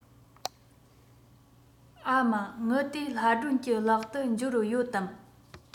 ཨ མ དངུལ དེ ལྷ སྒྲོན གྱི ལག ཏུ འབྱོར ཡོད དམ